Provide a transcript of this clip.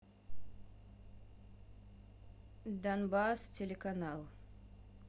донбасс телеканал